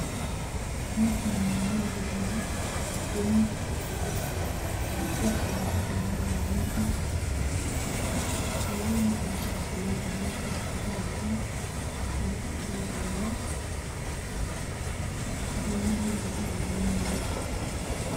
Meshani waa mel garoon ah banon aya laku dhelaya dsd aya dawanayo wll aya dhexjoga garonka waxey watan shati cadan io madow bumo galug ah io bumo madow ah